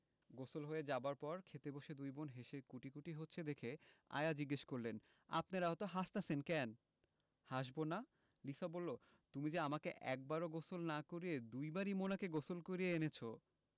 গোসল হয়ে যাবার পর খেতে বসে দুই বোন হেসে কুটিকুটি হচ্ছে দেখে আয়া জিজ্ঞেস করলেন আপনেরা অত হাসতাসেন ক্যান হাসবোনা লিসা বললো তুমি যে আমাকে একবারও গোসল না করিয়ে দুবারই মোনাকে গোসল করিয়ে এনেছো